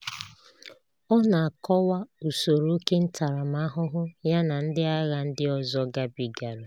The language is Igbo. Ọ na-akọwa usoro óké ntaramahụhụ ya na ndị agha ndị ọzọ gabigara: